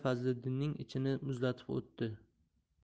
fazliddinning ichini muzlatib o'tdi